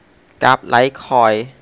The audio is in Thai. กราฟไลท์คอยน์